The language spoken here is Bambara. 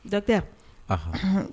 I datɛ aɔn